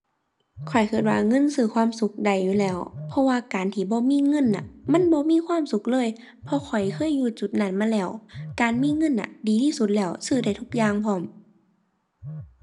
ข้อยคิดว่าเงินซื้อความสุขได้อยู่แล้ว เพราะว่าการที่บ่มีเงินน่ะ มันบ่มีความสุขเลย เพราะข้อยเคยอยู่จุดนั้นมาแล้ว การมีเงินน่ะดีที่สุดแล้ว ซื้อได้ทุกอย่างพร้อม